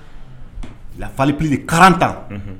Lafalipli de kalanran ta